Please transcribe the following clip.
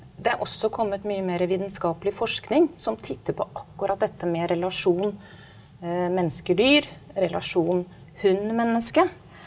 det er også kommet mye mere vitenskapelig forskning som titter på akkurat dette med relasjonen mennesker dyr relasjonen hund menneske.